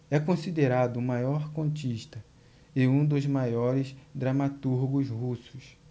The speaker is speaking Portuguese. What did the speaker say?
é considerado o maior contista e um dos maiores dramaturgos russos